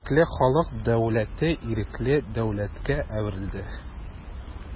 Ирекле халык дәүләте ирекле дәүләткә әверелде.